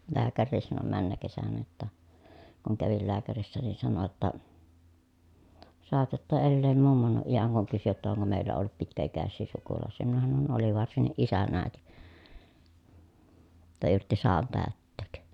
lääkärikin sanoi menneenä kesänä jotta kun kävin lääkärissä niin sanoi jotta saatatte elää mummonne iän kun kysyi jotta onko meillä ollut pitkäikäisiä sukulaisia minä sanoin oli varsinkin isän äiti jotta yritti sadan täyttää